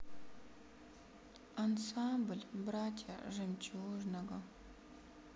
ансамбль братья жемчужного